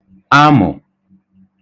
amụ̀